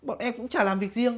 bọn em cũng chả làm việc riêng